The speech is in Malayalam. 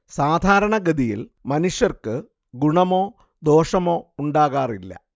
സാധാരണഗതിയിൽ മനുഷ്യർക്ക് ഗുണമോ ദോഷമോ ഉണ്ടാക്കാറില്ല